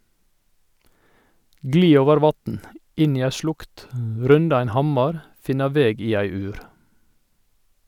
Gli over vatn, inn i ei slukt, runda ein hammar, finna veg i ei ur.